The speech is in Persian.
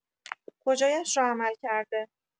کجایش را عمل کرده؟